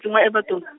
duma Alberton.